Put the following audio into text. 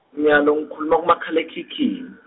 nyalo ngikhuluma kumakhalekhikhini.